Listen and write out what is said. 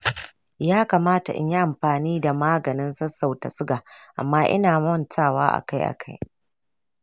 ya kamata in yi amfani da maganin sassauta suga amma ina mantawa akai-akai.